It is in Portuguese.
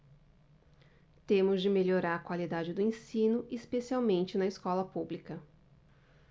temos de melhorar a qualidade do ensino especialmente na escola pública